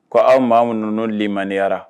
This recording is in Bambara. Ko aw maa'an ninnu le madiyara